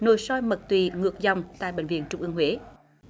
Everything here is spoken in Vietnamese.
nội soi mật tụy ngược dòng tại bệnh viện trung ương huế